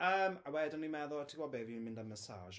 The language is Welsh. Yym a wedyn o'n i'n meddwl; "ti'n gwybod be fi'n mynd am massage".